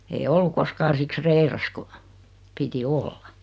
ei ollut koskaan siksi reilassa kun piti olla